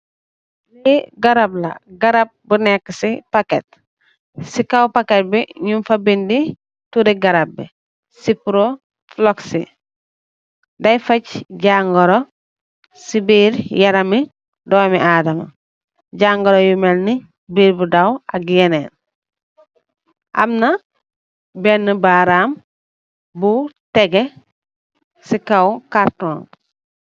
Li garap la garap bu nekuh si packet si kaw packet bu nyung fa binduh turi garap bi ciprofloxi dai Fatch jangoro si birr yarami dumi adama jangorro bu melni birr bu daw ak yenen amna benuh baram bu teguh si kawam